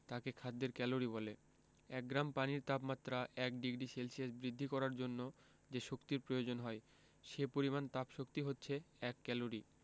তাকে খাদ্যের ক্যালরি বলে এক গ্রাম পানির তাপমাত্রা ১ ডিগ্রি সেলসিয়াস বৃদ্ধি করার জন্য যে শক্তির প্রয়োজন হয় সে পরিমাণ তাপশক্তি হচ্ছে এক ক্যালরি